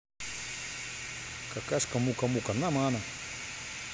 какашка мука мука намана